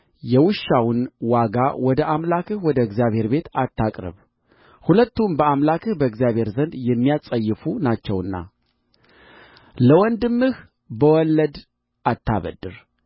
የውሻውን ዋጋ ወደ አምላክህ ወደ እግዚአብሔር ቤት አታቅርብ ሁለቱም በአምላክህ በእግዚአብሔር ዘንድ የሚያጸይፉ ናቸውና ለወንድምህ በወለድ አታበድር